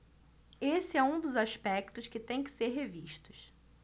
esse é um dos aspectos que têm que ser revistos